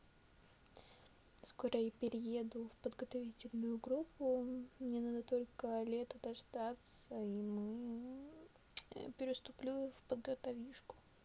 скоро перейду в подготовительную группу мне надо только лето дождаться и мы я переступлю в подготовишку